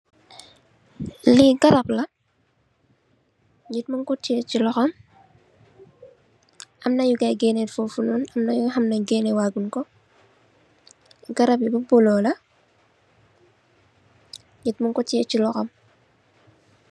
Li garab la nit mung ko tè ci lohom. Amna nu guy gènè fofunoon am nu hamnè guy gènè wa gonn ko. Garab yi bulo la nit mung ko tè chi lohom.